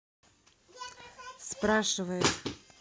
спрашивает